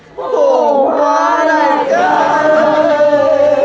khổ quá đại ca ơi